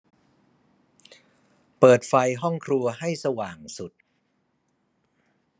เปิดไฟห้องครัวให้สว่างสุด